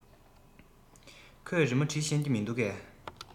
ཁོས རི མོ འབྲི ཤེས ཀྱི མིན འདུག གས